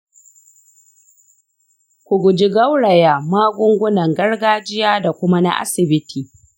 ku guji gauraya magungunan gargajiya da kuma na asibiti.